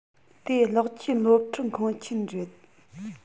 དེ གློག ཅན སློབ ཁྲིད ཁང ཆེན རེད